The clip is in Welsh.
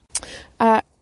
A,